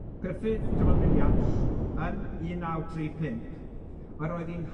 Gruffydd John Williams yn un naw tri pump yr oedd 'i'n